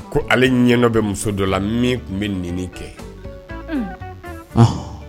Ko ale ɲɛ bɛ muso dɔ la min tun bɛ nin kɛ